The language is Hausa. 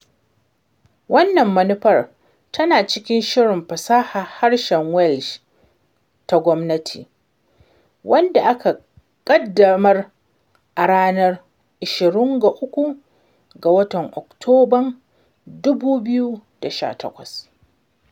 Wannan manufar tana cikin Shirin Fasahar Harshen Welsh ta gwamnati, wadda aka ƙaddamar a ranar 23 ga watan Oktoban 2018.